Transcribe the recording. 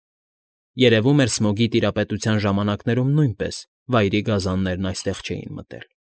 Երևում էր, Սմոգի տիրապետության ժամանակներում նույնիսկ վայրի գազաններն այստեղ չէին մտել։